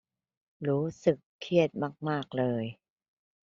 รู้สึกเครียดมากมากเลย